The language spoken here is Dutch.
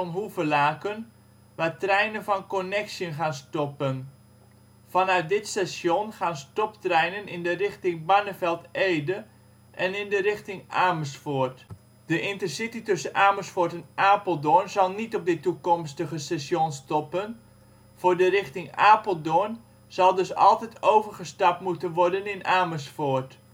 Hoevelaken, waar treinen van Connexxion gaan stoppen. Vanuit dit station gaan stoptreinen in de richting Barneveld - Ede en in de richting Amersfoort. De Intercity tussen Amersfoort en Apeldoorn zal niet op dit toekomstige station stoppen; voor de richting Apeldoorn zal dus altijd overgestapt moeten worden in Amersfoort